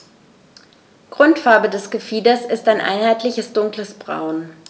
Grundfarbe des Gefieders ist ein einheitliches dunkles Braun.